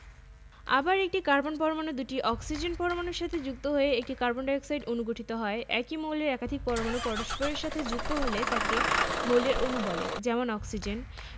দুধসর লতিশাইল খ স্থানীয় উন্নতজাতঃ কটকতারা কালিজিরা হাসিকলমি নাজির শাইল লতিশাইল বিনাশাইল ইত্যাদি